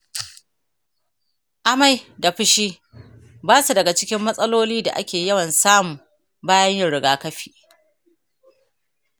amai da fushi ba su daga cikin matsalolin da ake yawan samu bayan yin rigakafi.